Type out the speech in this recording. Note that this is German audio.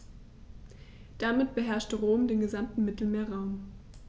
Damit beherrschte Rom den gesamten Mittelmeerraum.